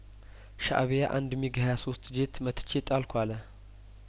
ሻእቢያ አንድ ሚግ ሀያሶስት ጄት መትቼ ጣልኩ አለ